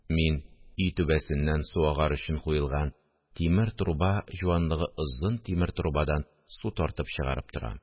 Мин өй түбәсеннән су агар өчен куелган тимер труба җуанлыгы озын тимер торбадан су тартып чыгарып торам.